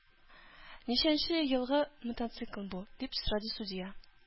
Ничәнче елгы мотоцикл бу? – дип сорады судья.